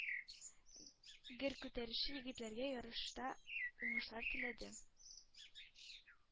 Гер күтәрүче егетләргә ярышта уңышлар теләде.